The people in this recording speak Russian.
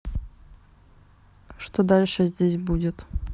что дальше здесь будет